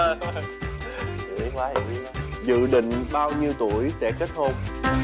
không dự định bao nhiêu tuổi sẽ kết hôn